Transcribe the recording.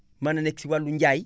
mën na nekk si wàllu njaay